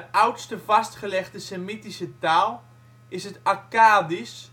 oudste vastgelegde semitische taal is het Akkadisch